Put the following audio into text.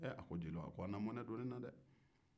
a ko jeliw a na mɔnɛ don n na